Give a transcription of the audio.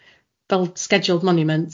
Fel scheduled monuments.